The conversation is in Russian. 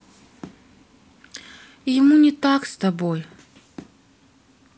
ему не так с тобой